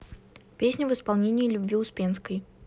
песни в исполнении любви успенской